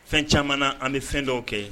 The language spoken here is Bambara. Fɛn caman an bɛ fɛn dɔw kɛ